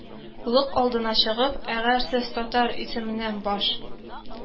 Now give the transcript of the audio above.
Лык алдына чыгып: «әгәр сез «татар» исеменнән баш